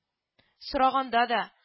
Сораганда да